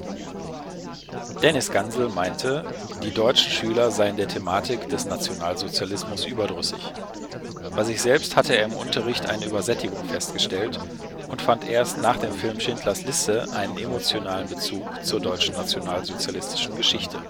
Dennis Gansel meinte, die deutschen Schüler seien der Thematik des Nationalsozialismus überdrüssig. Bei sich selbst hatte er im Unterricht eine Übersättigung festgestellt und fand erst nach dem Film Schindlers Liste einen emotionalen Bezug zur deutschen nationalsozialistischen Geschichte